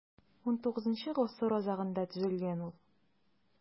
XIX гасыр азагында төзелгән ул.